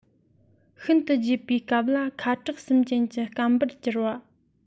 ཤིན ཏུ རྒྱས པའི སྐབས ལ ཁ དབྲག གསུམ ཅན གྱི སྐམ པར གྱུར པ